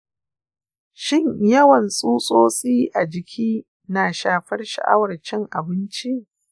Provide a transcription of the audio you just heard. shin yawan tsutsotsi a jiki na shafar sha’awar cin abinci?